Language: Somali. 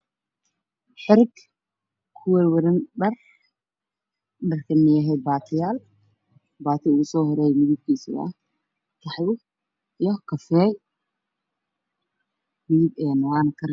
Xarig ku warwaran dhar dharkana yahay baatiyaal baatiga ugu soo horeeyo midabkiisu waa qaxwi iyo kafeey waana karin